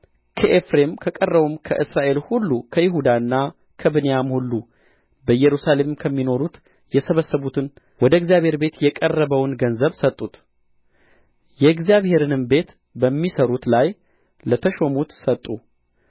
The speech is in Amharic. ከኤፍሬም ከቀረውም ከእስራኤል ሁሉ ከይሁዳና ከብንያም ሁሉ በኢየሩሳሌምም ከሚኖሩት የሰበሰቡትን ወደ እግዚእብሔር ቤት የቀረበውን ገንዘብ ሰጡት የእግዚአብሔርንም ቤት በሚሠሩት ላይ ለተሾሙት ሰጡ